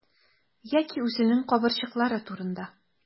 Яки үзенең кабырчрыклары турында.